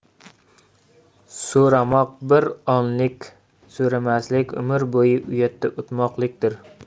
so'ramoq bir onlik so'ramaslik umr bo'yi uyatda o'tmoqlikdir